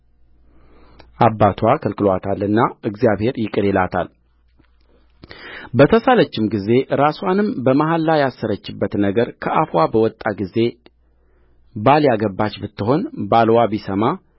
አባትዋ ከልክሎአታልና እግዚአብሔር ይቅር ይላታልበተሳለችም ጊዜ ራስዋንም በመሐላ ያሰረችበት ነገር ከአፍዋ በወጣ ጊዜ ባል ያገባች ብትሆንባልዋም ቢሰማ